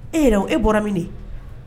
E yɛrɛ e bɔra min de